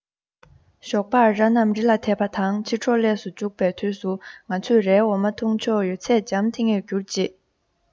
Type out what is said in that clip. ཞོགས པར ར རྣམས རི ལ དེད པ དང ཕྱི དྲོར ལྷས སུ འཇུག པའི དུས སུ ང ཚོས རའི འོ མ འཐུང ཆོག ཡོད ཚད འཇམ ཐིང ངེར གྱུར རྗེས